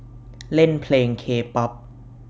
เล่นเพลงเคป๊อป